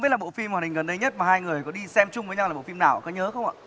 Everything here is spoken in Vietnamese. biết là bộ phim hoạt hình gần đây nhất mà hai người có đi xem chung với nhau là bộ phim nào có nhớ không ạ